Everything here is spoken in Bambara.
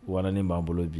Wara b'an bolo bi